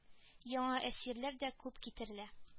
Яңа әсирләр дә күп китерелә